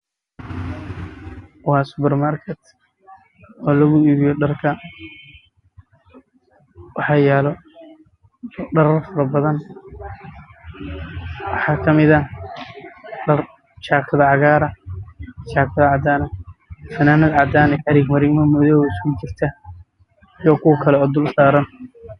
Waa suuq lagu iibiyo dharka